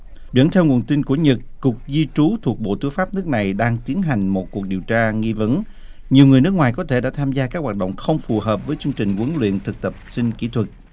vẫn theo nguồn tin của nhật cục di trú thuộc bộ tư pháp nước này đang tiến hành một cuộc điều tra nghi vấn nhiều người nước ngoài có thể đã tham gia các hoạt động không phù hợp với chương trình huấn luyện thực tập sinh kỹ thuật